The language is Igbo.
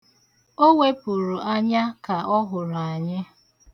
O wepụrụ anya ka ọ hụrụ anyị.